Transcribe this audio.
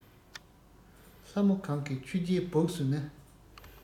ལྷ མོ གང གི ཆུ སྐྱེས སྦུབས སུ ནི